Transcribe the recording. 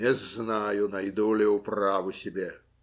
Не знаю, найду ли управу себе.